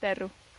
derw.